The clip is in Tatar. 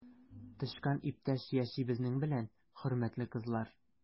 Тычкан иптәш яши безнең белән, хөрмәтле кызлар!